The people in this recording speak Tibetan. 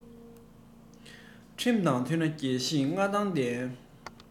ཁྲིམས དང མཐུན ན རྒྱལ གཞིས མངའ ཐང ལྡན